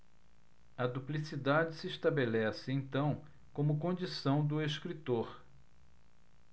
a duplicidade se estabelece então como condição do escritor